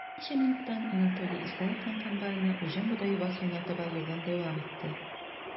Берничә минуттан Анатолий Исаевның комбайны уҗым бодае басуына таба юлын дәвам итте.